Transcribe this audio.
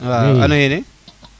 wa ano xene